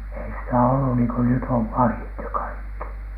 ei sitä ollut niin kuin nyt on vahdit ja kaikki